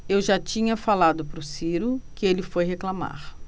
eu já tinha falado pro ciro que ele foi reclamar